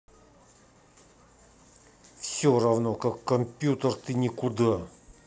все равно как компьютер ты никуда